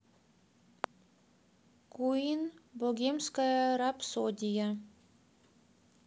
куин богемская рапсодия